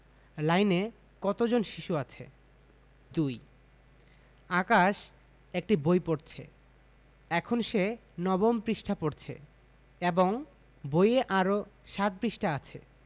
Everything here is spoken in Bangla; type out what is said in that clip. লাইনে কত জন শিশু আছে 2 আকাশ একটি বই পড়ছে এখন সে নবম পৃষ্ঠা পড়ছে এবং বইয়ে আরও ৭ পৃষ্ঠা আছে